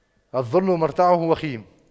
الظلم مرتعه وخيم